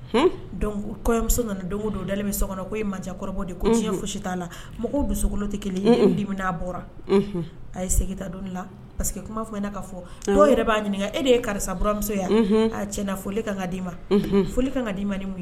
Kɔɲɔmuso nana don don dalen min so kɔnɔ ekɔrɔba de ko ti foyi t'a la mɔgɔw dusukolo tɛ kelen bɔra a ye seginta don la parce que kuma fɔ i ka fɔ' yɛrɛ b'a ɲininka e de ye karisamusoya ti foli ka ka d'i ma foli ka d di ma ni ye